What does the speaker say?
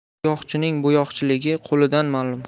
bo'yoqchining bo'yoqchiligi qo'lidan ma'lum